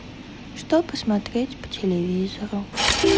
что посмотреть по телевизору